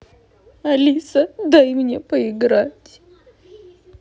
алиса дай мне поиграть